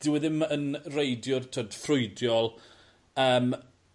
Dyw e ddim yn reidiwr t'wod ffrwydriol yym.